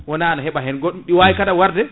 wona na heeɓa goɗɗum ɗi wawi kada warde